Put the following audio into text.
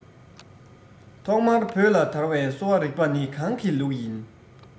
ཐོག མར བོད ལ དར བའི གསོ བ རིག པ ནི གང གི ལུགས ཡིན